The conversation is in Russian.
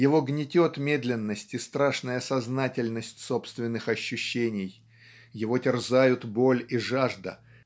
Его гнетет медленность и страшная сознательность собственных ощущений. Его терзают боль и жажда